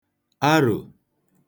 arò